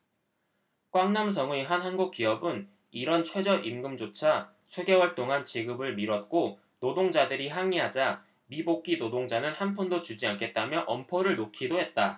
꽝남성의 한 한국기업은 이런 최저임금조차 수개월 동안 지급을 미뤘고 노동자들이 항의하자 미복귀 노동자는 한 푼도 주지 않겠다며 엄포를 놓기도 했다